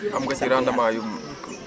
am nga ci rendement yu